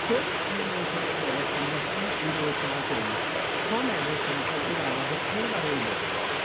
Rhwng un wyth wyth chwech a Medi un wyth naw dim, Tom Ellis y prif arweinydd.